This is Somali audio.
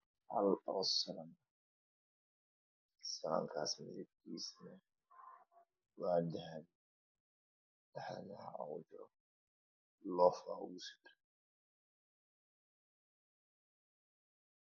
Midabkiisa wa dahabi love ayaa dhaxda ooga jiro